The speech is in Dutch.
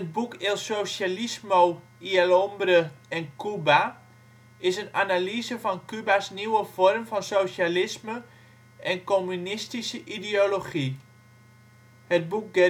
boek " El socialismo y el hombre en Cuba " is een analyse van Cuba 's nieuwe vorm van socialisme en communistische ideologie. Het boek